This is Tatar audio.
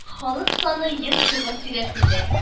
Халык саны йөз тугыз тирәсендә